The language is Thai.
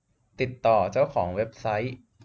ติดต่อเจ้าของเว็บไซต์